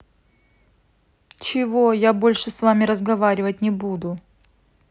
чего я больше с вами разговаривать не буду